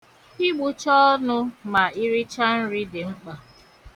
Ịgbụcha ọnụ ma iricha nri dị mkpa.